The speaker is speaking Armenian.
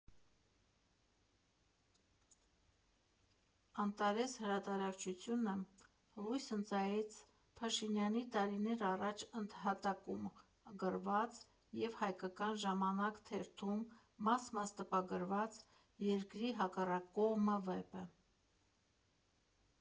«Անտարես» հրատարակչությունը լույս ընծայեց Փաշինյանի՝ տարիներ առաջ ընդհատակում գրված և «Հայկական ժամանակ» թերթում մաս֊մաս տպագրված «Երկրի հակառակ կողմը» վեպը։